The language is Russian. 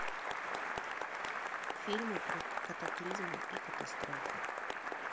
фильмы про катаклизмы и катастрофы